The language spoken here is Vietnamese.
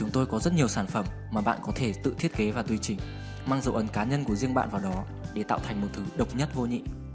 chúng tôi có rất nhiều sản phẩm mà các bạn có thể tự thiết kế và tùy chỉnh mang dấu ấn cá nhân của riêng bạn vào đó để tạo thành một thứ độc nhất vô nhị